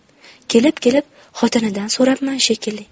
kelib kelib xotinidan so'rabman shekilli